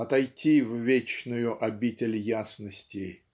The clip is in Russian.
отойти в вечную обитель ясности.